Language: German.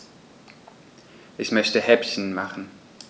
Ich möchte Häppchen machen.